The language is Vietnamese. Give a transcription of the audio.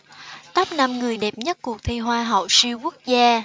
top năm người đẹp nhất cuộc thi hoa hậu siêu quốc gia